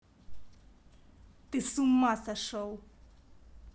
ты с ума сошел